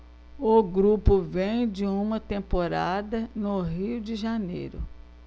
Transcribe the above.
o grupo vem de uma temporada no rio de janeiro